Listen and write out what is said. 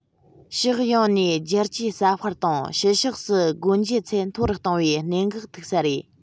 ཕྱོགས ཡོངས ནས བསྒྱུར བཅོས ཟབ སྤེལ དང ཕྱི ཕྱོགས སུ སྒོ འབྱེད ཚད མཐོ རུ གཏོང བའི གནད འགག ཐུག ས རེད